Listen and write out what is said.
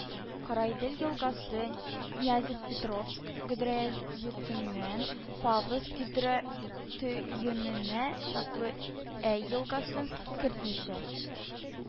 Караидел елгасы, Нязепетровск гидротөененнән Павловск гидротөененә чаклы Әй елгасын кертмичә